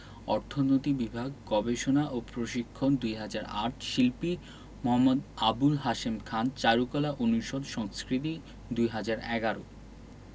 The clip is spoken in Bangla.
অর্থনীতি বিভাগ গবেষণা ও প্রশিক্ষণ ২০০৮ শিল্পী মু. আবুল হাশেম খান চারুকলা অনুষদ সংস্কৃতি ২০১১